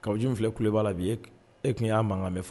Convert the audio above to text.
Kaj filɛ ku b' la bi e e tun y'a mankan bɛ fɔ